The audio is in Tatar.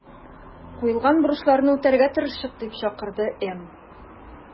Куелган бурычларны үтәргә тырышыйк”, - дип чакырды Н.